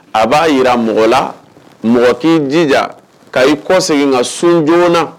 A b'a jira mɔgɔ la mɔgɔ k'i jija ka i kɔ segin sun joona na